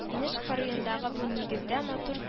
Инеш кырыендагы бу нигездә матур